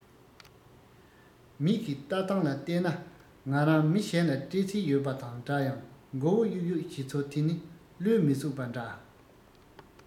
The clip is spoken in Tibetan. མིག གིས ལྟ སྟངས ལ བལྟས ན ང རང མི གཞན ལ སྤྲད རྩིས ཡོད པ དང འདྲ ཡང མགོ བོ གཡུག གཡུག བྱེད ཚུལ དེ ནི བློས མི བཟོད པ འདྲ